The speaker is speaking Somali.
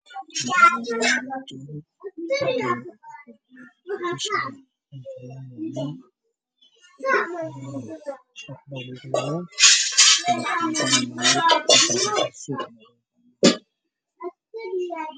Meeshaan waxaa iga muuqda niman fara badan oo taagan oo cuno la siinayo